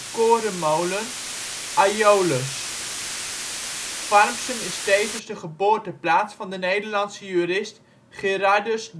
korenmolen Aeolus. Farmsum is tevens de geboorteplaats van de Nederlandse jurist Gerhardus